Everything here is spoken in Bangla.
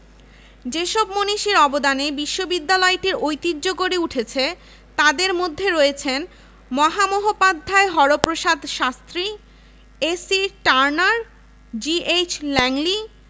কলেজ ও ইনস্টিটিউট ২২টি সরকারি ও ৫২টি বেসরকারি রয়েছে এগুলোর মধ্যে ৬১টিতে ডেন্টাল নার্সিং ফিজিওলজি হোমিওপ্যাথি